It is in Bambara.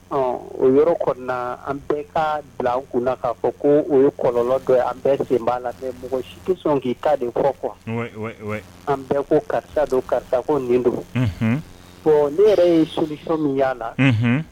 Ɔ o yɔrɔ kɔnɔna an bɛ ka bila kunna k'a fɔ ko o ye kɔlɔnlɔ dɔ an bɛ sen la mɔgɔsɔn k'i ka de fɔ kuwa an bɛ ko karisa don karisa ko nin don bɔn ne yɛrɛ ye susɔn min la